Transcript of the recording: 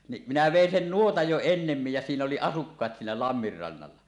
niin minä vein sen nuotan jo ennemmin ja siinä oli asukkaat siinä lammen rannalla